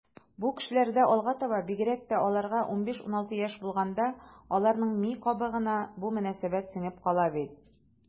Бу кешеләрдә алга таба, бигрәк тә аларга 15-16 яшь булганда, аларның ми кабыгына бу мөнәсәбәт сеңеп кала бит.